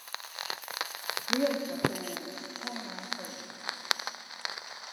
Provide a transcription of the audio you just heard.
เลื่อนประตูห้องน้ำเปิด